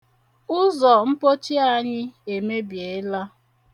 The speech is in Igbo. Ụzọ mpochi anyị emebiela.